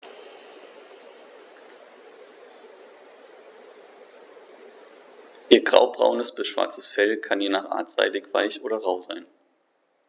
Ihr graubraunes bis schwarzes Fell kann je nach Art seidig-weich oder rau sein.